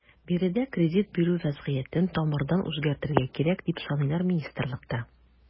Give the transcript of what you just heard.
Биредә кредит бирү вәзгыятен тамырдан үзгәртергә кирәк, дип саныйлар министрлыкта.